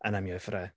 And I'm here for it.